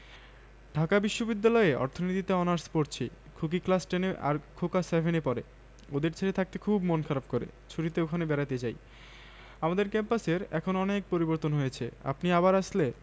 অভ্যর্থনা কমিটির পক্ষে আমি এই সম্মেলনে অংশগ্রহণকারী সকলকে ও বিশেষভাবে বাইরে থেকে আগত প্রতিনিধিবৃন্দকে স্বাগত জানাই